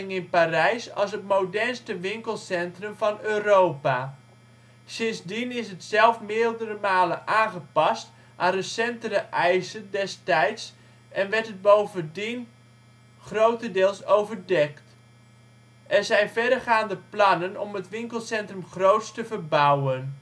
in Parijs als het modernste winkelcentrum van Europa. Sindsdien is het zelf meerdere malen aangepast aan recentere eisen des tijds en werd het bovendien grotendeels overdekt. Er zijn verregaande plannen om het winkelcentrum groots te verbouwen